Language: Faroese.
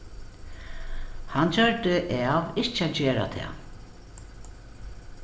hann gjørdi av ikki at gera tað